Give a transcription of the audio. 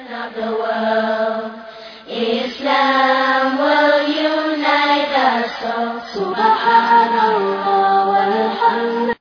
Sa ytan mɔgɔ y yoinɛ sa